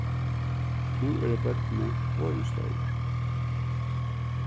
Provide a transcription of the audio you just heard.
nú eru børnini vorðin stór